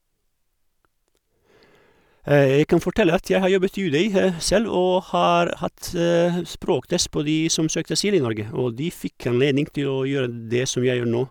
Jeg kan fortelle at jeg har jobbet i UDI selv, og har hatt språktest på de som søkte asyl i Norge, og de fikk anledning til å gjøre det som jeg gjør nå.